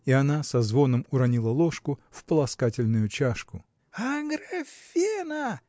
И она со звоном уронила ложку в полоскательную чашку. – Аграфена!